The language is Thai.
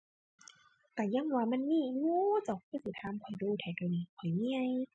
ก็ยังว่ามันมีอยู่ เจ้าคือสิถามข้อยดู๋แท้เดี๋ยวนี้ ข้อยเมื่อย